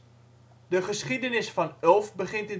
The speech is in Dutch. De geschiedenis van Ulft begint in